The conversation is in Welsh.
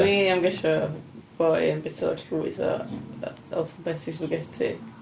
Dwi am gesio boi yn byta llwyth o alphabetti spaghetti.